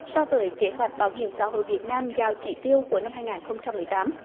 so với kế hoạch bảo hiểm xã hội việt nam giao chỉ tiêu của năm hai ngàn không trăm mười tám